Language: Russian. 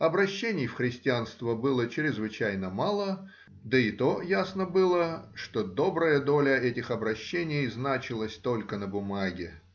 обращений в христианство было чрезвычайно мало, да и то ясно было, что добрая доля этих обращений значилась только на бумаге.